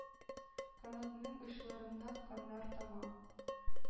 Канатының очларыннан каннар тама,